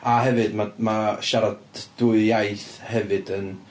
A hefyd, ma' ma' siarad dwy iaith hefyd yn...